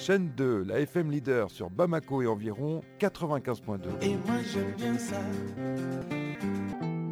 Don la e fɛn sɔn ba ko' h ka tɔgɔ ka